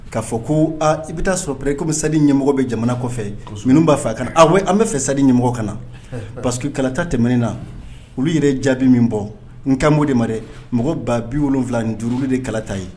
K'a fɔ ko aa i bɛ taa sɔrɔpre kɔmimi sadi ɲɛmɔgɔ bɛ jamana kɔfɛ ninnu b'a fɔ a ka an bɛ fɛ sadi ɲɛmɔgɔ ka parce que kalata tɛmɛnen na olu yɛrɛ jaabi min bɔ n kanbo de ma dɛ mɔgɔ ba bi wolowula nin juru de kalata ye